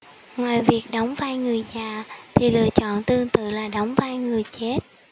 ngoài việc đóng vai người già thì lựa chọn tương tự là đóng vai người chết